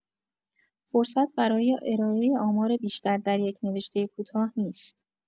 فرصت برای ارائۀ آمار بیشتر در یک نوشتۀ کوتاه نیست.